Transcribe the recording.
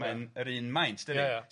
mae'n yr un maint dydi? Ia ia.